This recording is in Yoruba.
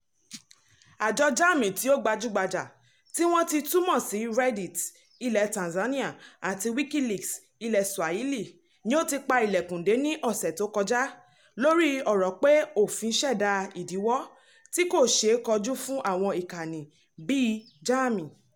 Àjọ Jamii tí ó gbajúgbajà - tí wọ́n ti túmọ̀ sí Reddit ilẹ̀ Tanzania àti Wikileaks ilẹ̀ Swahili-ni ó ti pa ìlẹ̀kùn dé ní ọ̀sẹ̀ tó kọjá lórí ọ̀rọ̀ pé òfin ṣẹ̀dá ìdíwọ́ tí kò ṣeé kojú fún àwọn ìkànnì bíi Jamii.